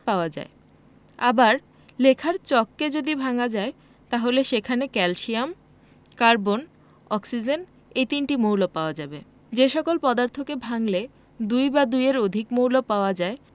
পাওয়া যায় আবার লেখার চককে যদি ভাঙা যায় তাহলে সেখানে ক্যালসিয়াম কার্বন ও অক্সিজেন এ তিনটি মৌল পাওয়া যাবে যে সকল পদার্থকে ভাঙলে দুই বা দুইয়ের অধিক মৌল পাওয়া যায়